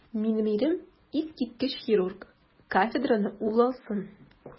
Минем ирем - искиткеч хирург, кафедраны ул алсын.